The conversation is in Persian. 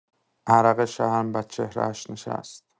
عرق شرم بر چهره‌اش نشست.